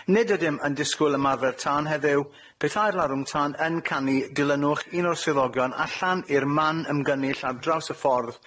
Nid ydym yn disgwyl ymarfer tân heddyw. Petai'r larwm tân yn canu, dilynwch un o'r swyddogion allan i'r man ymgynnull ar draws y ffordd